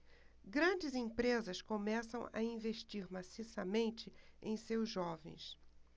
grandes empresas começam a investir maciçamente em seus jovens